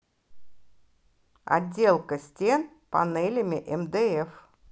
отделка стен панелями мдф